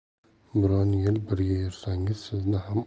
biron yil birga yursangiz sizni ham